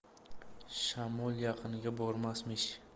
shamol yaqiniga bormasmish